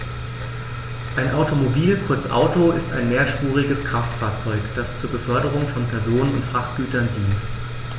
Ein Automobil, kurz Auto, ist ein mehrspuriges Kraftfahrzeug, das zur Beförderung von Personen und Frachtgütern dient.